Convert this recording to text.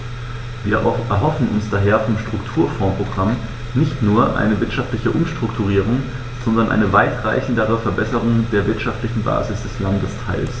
Wir erhoffen uns daher vom Strukturfondsprogramm nicht nur eine wirtschaftliche Umstrukturierung, sondern eine weitreichendere Verbesserung der wirtschaftlichen Basis des Landesteils.